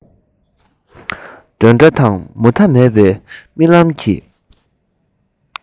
ཞིང ཁམས ཀྱིས ང ཚོ སྒུག བཞིན ཡོད